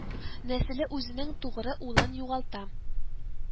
Нәселе үзенең тугры улын югалта